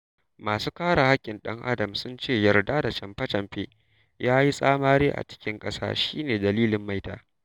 Masu kare hƙƙin ɗan adam sun ce yarda da camfe camfe da ya yi tsamari a cikin ƙasa shi ne dalilin maita.